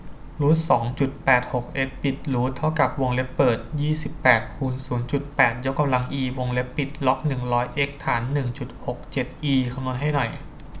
รูทสองจุดแปดหกเอ็กซ์จบรูทเท่ากับวงเล็บเปิดยี่สิบแปดคูณศูนย์จุดแปดยกกำลังอีวงเล็บปิดล็อกหนึ่งร้อยเอ็กซ์ฐานหนึ่งจุดหกเจ็ดอีคำนวณให้หน่อย